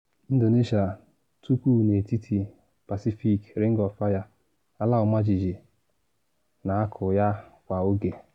Indonesia tukwu n’etiti Pacific Ring of Fire, ala ọmajiji na akụ ya kwa oge.